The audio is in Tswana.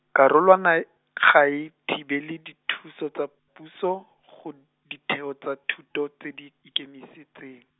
karolwana, ga e thibele dithuso tsa puso, go ditheo tsa thuto tse di ikemisitseng.